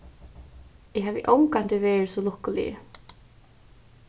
eg havi ongantíð verið so lukkuligur